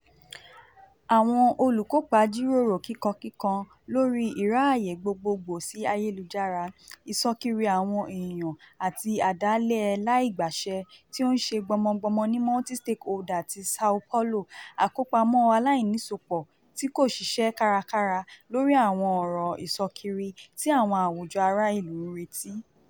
Àwọn olùkópa jíròrò kíkankíkan lórí ìráàyè gbogboogbò sí ayélujára, ìṣọ́kiri àwọn èèyàn àti àdáálẹ̀ "láìgbàṣẹ", tí ó ń ṣe gbọnmọgbọnmọ ní Multi stakeholder Statement of Sao Paulo, àkọpamọ́ aláìnísopọ̀ tí kò ṣiṣẹ́ kárakára lórí àwọn ọ̀ràn ìṣọ́kiri tí àwọn àwùjọ ará-ìlú ń retí.